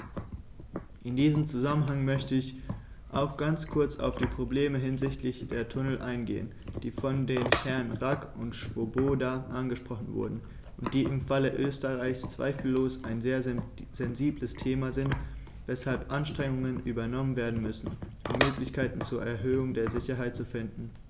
In diesem Zusammenhang möchte ich auch ganz kurz auf die Probleme hinsichtlich der Tunnel eingehen, die von den Herren Rack und Swoboda angesprochen wurden und die im Falle Österreichs zweifellos ein sehr sensibles Thema sind, weshalb Anstrengungen unternommen werden müssen, um Möglichkeiten zur Erhöhung der Sicherheit zu finden.